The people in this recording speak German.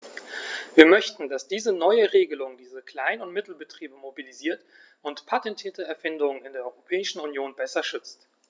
Wir möchten, dass diese neue Regelung diese Klein- und Mittelbetriebe mobilisiert und patentierte Erfindungen in der Europäischen Union besser schützt.